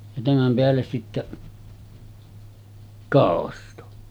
ja tämän päälle sitten kausto